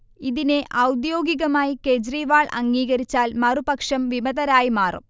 ഇതിനെ ഔദ്യോഗികമായി കെജ്രിവാൾ അംഗീകരിച്ചാൽ മറുപക്ഷം വിമതരായി മാറും